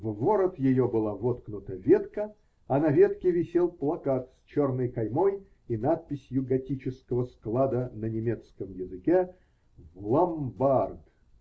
В ворот ее была воткнута ветка, а на ветке висел плакат с черной каймой и надписью готического склада на немецком языке: "В ломбард".